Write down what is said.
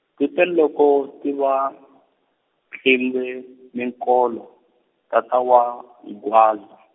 kute loko ti va, tlimbe, minkolo, tata wa, Magwaza.